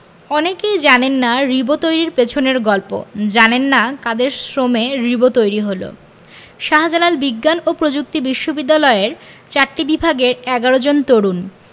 অনেকেই জানেন না রিবো তৈরির পেছনের গল্প জানেন না কাদের শ্রমে রিবো তৈরি হলো শাহজালাল বিজ্ঞান ও প্রযুক্তি বিশ্ববিদ্যালয়ের চারটি বিভাগের ১১ জন তরুণ